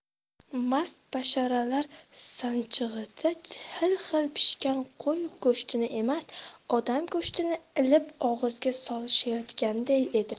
mast basharalar sanchqiga hil hil pishgan qo'y go'shtini emas odam go'shtini ilib og'izga solishayotganday edi